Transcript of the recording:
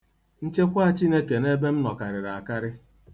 Nchekwa Chineke n'ebe m nọ karịrị akarị.